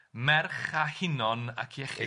Merch 'A hinon ac iechyd.'